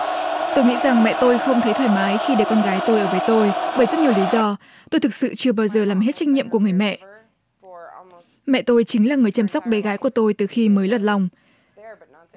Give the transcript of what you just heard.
tôi nghĩ rằng mẹ tôi không thấy thoải mái khi để con gái tôi ở với tôi bởi rất nhiều lý do tôi thực sự chưa bao giờ làm hết trách nhiệm của người mẹ mẹ tôi chính là người chăm sóc bé gái của tôi từ khi mới lọt lòng